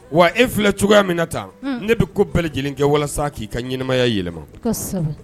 Wa e filɛ cogoya min na tan; Un; Ne bɛ ko bɛɛ lajɛlen kɛ walasa k'i ka ɲɛmaya yɛlɛma; kosɛbɛ.